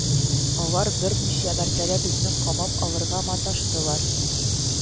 Алар берничә мәртәбә безне камап алырга маташтылар